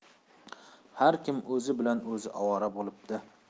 har kim o'zi bilan o'zi ovora bo'libdi